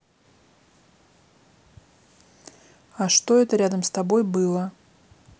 а что это рядом с тобой было